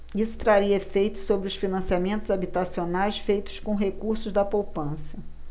isso traria efeitos sobre os financiamentos habitacionais feitos com recursos da poupança